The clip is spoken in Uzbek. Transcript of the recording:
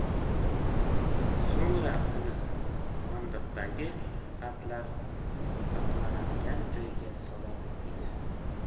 so'ngra uni sandiqdagi xatlar saqlanadigan joyga solar edi